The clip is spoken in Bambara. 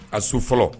A su fɔlɔ